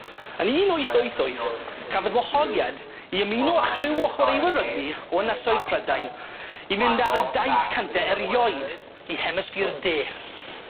Yn un wyth wyth wyth, cafodd wahoddiad i ymuno â chriw o chwaraewyr rygbi o ynysoedd Prydain i mynd ar y daith cynta erioed i Hemisffîr De.